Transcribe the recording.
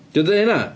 Ydi o'n deud hynna?